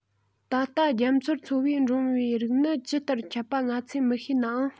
ད ལྟ རྒྱ མཚོར འཚོ བའི འགྲོན བུའི རིགས ནི ཇི ལྟར ཁྱབ པ ང ཚོས མི ཤེས ནའང